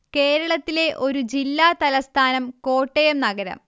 കേരളത്തിലെ ഒരു ജില്ല തലസ്ഥാനം കോട്ടയം നഗരം